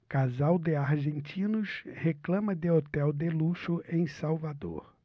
casal de argentinos reclama de hotel de luxo em salvador